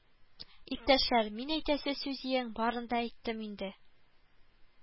Иптәшләр, мин әйтәсе сүзйең барын да әйттем инде